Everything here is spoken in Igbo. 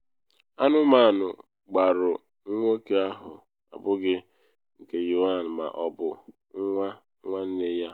Anụmanụ gburu nwoke ahụ abụghị nke Yaun ma ọ bụ nwa nwanne ya.